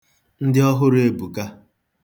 Ndị ọhụrụ ebuka.